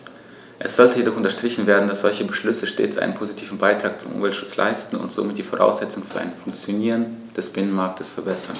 Es sollte jedoch unterstrichen werden, dass solche Beschlüsse stets einen positiven Beitrag zum Umweltschutz leisten und somit die Voraussetzungen für ein Funktionieren des Binnenmarktes verbessern.